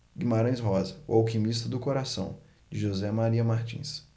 guimarães rosa o alquimista do coração de josé maria martins